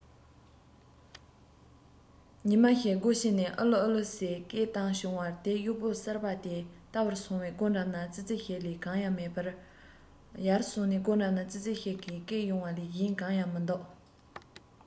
ཉི མ ཞིག སྒོའི ཕྱི ནས ཨུ ལའོ ཨུ ལའོ ཟེར སྐད བཏང བྱུང བ དེར གཡོག པོ གསར པ དེས ལྟ བར སོང བས སྒོ འགྲམ ན ཙི ཙི ཞིག ལས གང ཡང མེད ཡར སོང ནས སྒོ འགྲམ ན ཙི ཙི ཞིག གིས སྐད གཡོང བ ལས གཞན གང ཡང མི འདུག